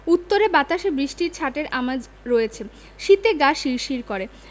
উত্তরে বাতাসে বৃষ্টির ছাঁটের আমেজ রয়েছে শীতে গা শিরশির করে